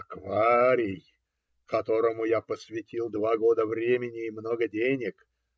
- Акварий, которому я посвятил два года времени и много денег.